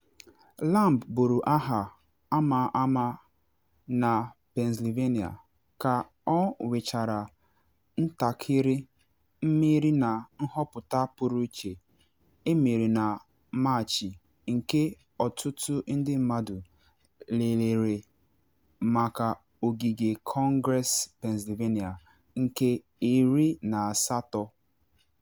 Lamb bụrụ aha ama ama na Pennsylvania ka ọ nwechara ntakịrị mmeri na nhọpụta pụrụ iche emere na Machị nke ọtụtụ ndị mmadụ lelere maka Ogige Kọngress Pennsylvania nke 18th.